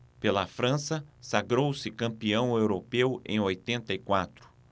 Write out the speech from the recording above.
pela frança sagrou-se campeão europeu em oitenta e quatro